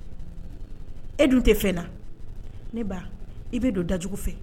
E dun tɛ fɛn la i bɛ don dajugu fɛ